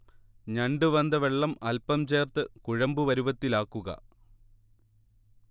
ഞണ്ട് വെന്ത വെള്ളം അൽപം ചേർത്ത് കുഴമ്പ് പരുവത്തിലാക്കുക